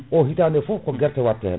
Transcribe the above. o hitande foof ko guerte watte hen